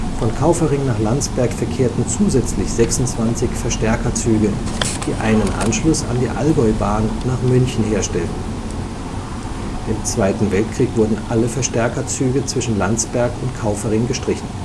Von Kaufering nach Landsberg verkehrten zusätzlich 26 Verstärkerzüge, die einen Anschluss an die Allgäubahn nach München herstellten. Im Zweiten Weltkrieg wurden alle Verstärkerzüge zwischen Landsberg und Kaufering gestrichen